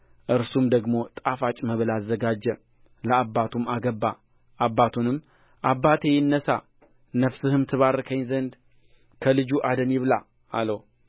እርሱም ደግሞ ጣፋጭ መብል አዘጋጀ ለአባቱም አገባ አባቱንም አባቴ ይነሣ ነፍስህም ትባርከኝ ዘንድ ከልጁ አደን ይብላ አለው